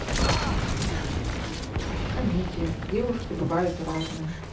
комедия девушки бывают разные